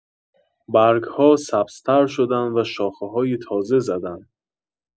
برگ‌ها سبزتر شدن و شاخه‌های تازه زدن.